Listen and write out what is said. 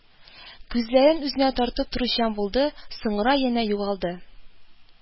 Күзләрен үзенә тартып торучан булды, соңра янә югалды